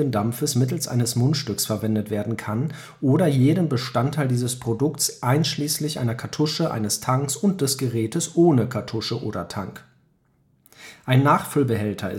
Dampfes mittels eines Mundstücks verwendet werden kann, oder jeden Bestandteil dieses Produkts, einschließlich einer Kartusche, eines Tanks, und des Gerätes ohne Kartusche oder Tank. […]“) und Nachfüllbehälter